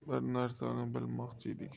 bir narsani bilmoqchiydik